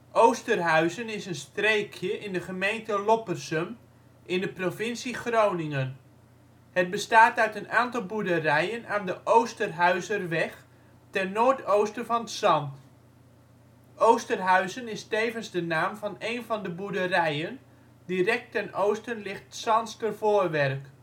Oosterhuizen is een streekje in de gemeente Loppersum in de provincie Groningen. Het bestaat uit een aantal boerderijen aan de Oosterhuizerweg, ten noordoosten van ' t Zandt. Oosterhuizen is tevens de naam van een van de boerderijen. Direct ten oosten ligt ' t Zandstervoorwerk